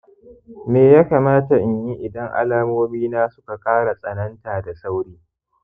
me ya kamata in yi idan alamomina suka ƙara tsananta da sauri